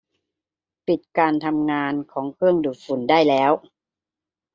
ปิดการทำงานของเครื่องดูดฝุ่นได้แล้ว